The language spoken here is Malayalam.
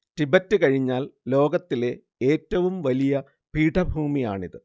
ടിബറ്റ് കഴിഞ്ഞാൽ ലോകത്തിലെ ഏറ്റവും വലിയ പീഠഭൂമിയാണിത്